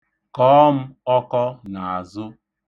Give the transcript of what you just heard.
Kọọ m ọkọ n'azụ.